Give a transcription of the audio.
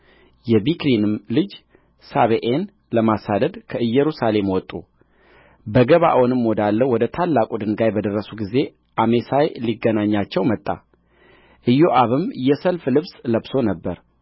የቢክሪንም ልጅ ሳቤዔን ለማሳደድ ከኢየሩሳሌም ወጡ በገባዖንም ወዳለው ወደ ታላቁ ድንጋይ በደረሱ ጊዜ አሜሳይ ሊገናኛቸው መጣ ኢዮአብም የሰልፍ ልብስ ለብሶ ነበር